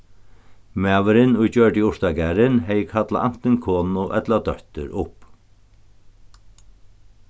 maðurin ið gjørdi urtagarðin hevði kallað antin konu ella dóttur upp